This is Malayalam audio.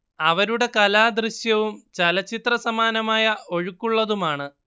അവരുടെ കല ദൃശ്യവും ചലച്ചിത്രസമാനമായ ഒഴുക്കുള്ളതുമാണ്